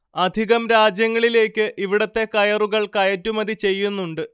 അധികം രാജ്യങ്ങളിലേക്ക് ഇവിടത്തെ കയറുകൾ കയറ്റുമതി ചെയ്യുന്നുണ്ട്